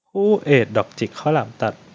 คู่เอดดอกจิกข้าวหลามตัด